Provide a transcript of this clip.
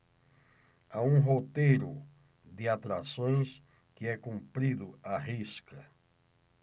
há um roteiro de atrações que é cumprido à risca